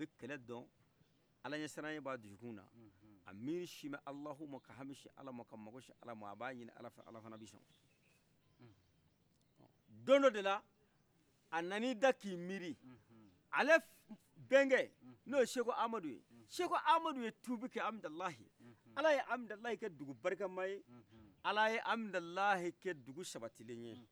a miri sin bɛ alahuma ka hami sin allama ka mako sin alama a ba ɲini alafɛ alafana bi sɔn don dɔ de la anani da k'i miri ale bɛnkɛ n'oye seku amaduye seku amadu ye tubikai amidalayi alaye amidalayi kɛ dugu barikamaye alaye amidalayi kɛ dugu sabatilenye